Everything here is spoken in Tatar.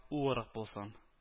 Уырак булсын